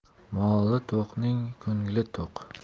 moli to'qning ko'ngli to'q